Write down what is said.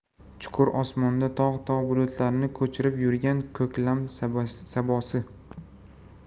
chuqur osmonda tog' tog' bulutlarni ko'chirib yurgan ko'klam sabosi